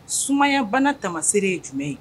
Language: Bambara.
Sumayabana tamasire ye jumɛn ye